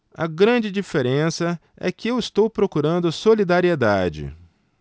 a grande diferença é que eu estou procurando solidariedade